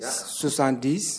Sonsandi